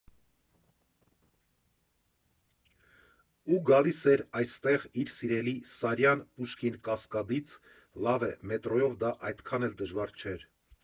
Ու գալիս էր այստեղ իր երևելի Սարյան֊Պուշկին֊Կասկադից՝ լավ է, մետրոյով դա այդքան էլ դժվար չէր։